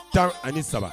13